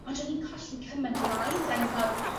ond o'n i'n colli cyment o waith a o'n ni fel